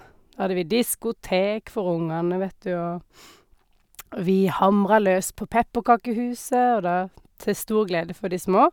Da hadde vi diskotek for ungene, vet du, og vi hamra løs på pepperkakehuset, og da til stor glede for de små.